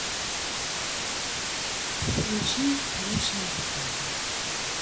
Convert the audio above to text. включи лучшее в италии